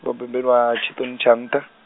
ndo bebelwa Tshiṱuni tsha nṱha.